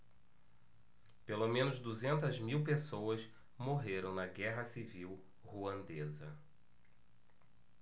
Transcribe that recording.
pelo menos duzentas mil pessoas morreram na guerra civil ruandesa